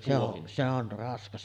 se on se on raskas